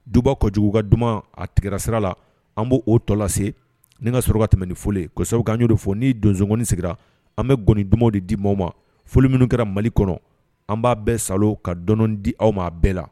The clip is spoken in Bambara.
Duba ko juguka duman a tigɛra sira la an b' o tɔ lase ni ka su tɛmɛn ni foli ko sabu ka'o de fɔ n dongoni sigira an bɛ gɔni dumanw de di maaw ma foli minnu kɛra mali kɔnɔ an b'a bɛɛ sa ka dɔnni di aw ma a bɛɛ la